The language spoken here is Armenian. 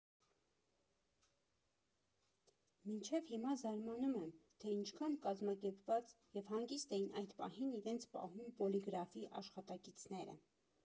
Մինչև հիմա զարմանում եմ, թե ինչքան կազմակերպված և հանգիստ էին այդ պահին իրենց պահում Պոլիգրաֆի աշխատակիցները։